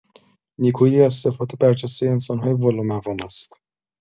نیکوئی از صفات برجسته انسان‌های والامقام است.